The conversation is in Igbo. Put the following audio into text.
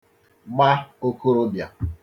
gba òkorobịà